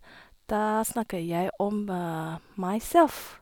Da snakker jeg om meg selv.